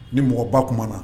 Ni mɔgɔ baumana na